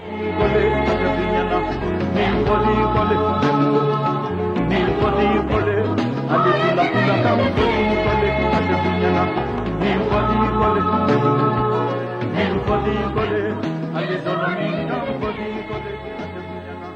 Wa n a n a